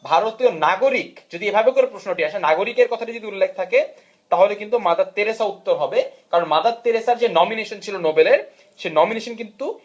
ভারতীয় নাগরিক যদি এভাবে করে প্রশ্ন টি আসে যে নাগরিকের কথাটি যদি উল্লেখ থাকে তাহলে কিন্তু মাদার তেরেসা উত্তর হবে কারণ মাদার তেরেসার যে নমিনেশন ছিল নোবেল এ সে নমিনেশন কিন্তু